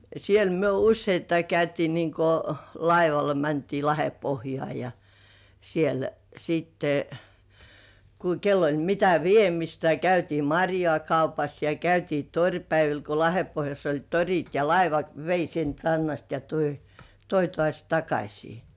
siellä me useittain käytiin niin kuin laivalla mentiin Lahdenpohjaan ja siellä sitten kun kenellä oli mitä viemistä ja käytiin marjaa kaupassa ja käytiin toripäivillä kun Lahdenpohjassa oli torit ja laivat vei siitä rannasta ja toi toi taas takaisin